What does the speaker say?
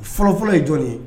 Fɔlɔfɔlɔ ye jɔn ye?